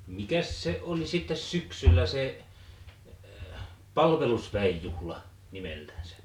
mikäs se oli sitten syksyllä se palvelusväen juhla nimeltänsä